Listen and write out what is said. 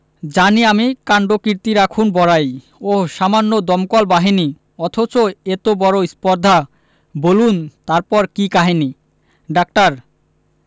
জানি আমি কাণ্ডকীর্তি রাখুন বড়াই ওহ্ সামান্য দমকল বাহিনী অথচ এত বড় স্পর্ধা বুলন তারপর কি কাহিনী ডাক্তার